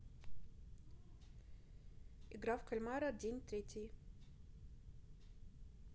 игра в кальмара день третий